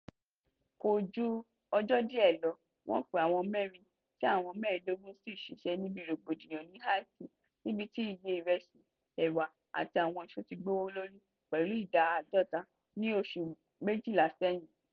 Kò ju ọjọ́ díẹ̀ sẹ́yìn lọ, wọ́n pa àwọn mẹ́rin tí àwọn 25 sì ṣèṣe níbi rògbòdìyàn ní Haiti, níbi tí iye ìrẹsì, ẹ̀wà, àti àwọn èso tí gbówó lórí pẹ̀lú 50% ní oṣù 12 sẹ́yìn.